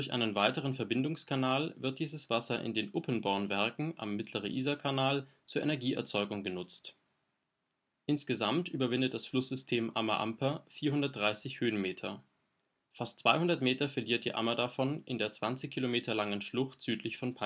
einen weiteren Verbindungskanal wird dieses Wasser in den Uppenbornwerken am Mittlere-Isar-Kanal zur Energieerzeugung genutzt. Insgesamt überwindet das Flusssystem Ammer/Amper 430 Höhenmeter. Fast 200 Meter verliert die Ammer davon in der 20 Kilometer langen Schlucht südlich von